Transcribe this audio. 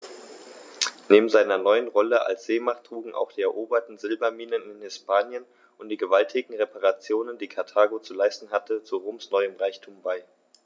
Neben seiner neuen Rolle als Seemacht trugen auch die eroberten Silberminen in Hispanien und die gewaltigen Reparationen, die Karthago zu leisten hatte, zu Roms neuem Reichtum bei.